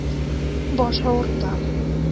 Баш авырта.